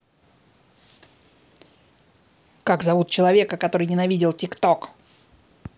как зовут человека который ненавидел тик ток